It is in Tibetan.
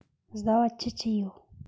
བཟའ བ ཆི ཆི ཡོད